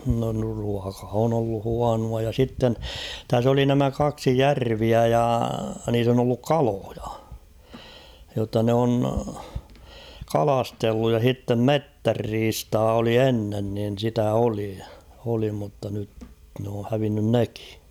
no ruoka on ollut huonoa ja sitten tässä oli nämä kaksi järveä ja niissä on ollut kaloja jotta ne on kalastellut ja sitten metsänriistaa oli ennen niin sitä oli oli mutta nyt ne on hävinnyt nekin